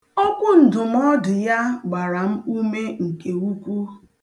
Okwu ndụmọọdụ ya gbara m ume nke ukwu.